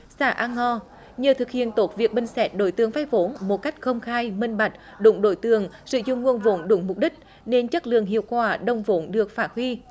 xã a ngo nhờ thực hiện tốt việc bình xét đối tượng vay vốn một cách công khai minh bạch đúng đối tượng sử dụng nguồn vốn đúng mục đích nên chất lượng hiệu quả đồng vốn được phát huy